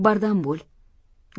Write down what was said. bardam bo'l